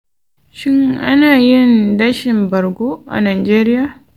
shin ana yin dashen ɓargo a najeriya?